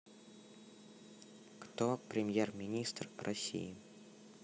кто премьер министр россии